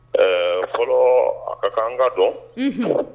Ɛɛ fɔlɔ a ka kaan ka dɔn